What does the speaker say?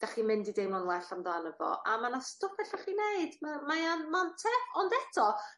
'Dach chi'n mynd i deimlo'n well amdano fo. A ma' 'na stwff ellwch chi neud ma' mae o'n ma'n te-... Ond eto